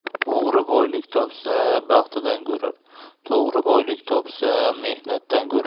o'g'ri boylik topsa baxtidan ko'rar to'g'ri boylik topsa mehnatdan ko'rar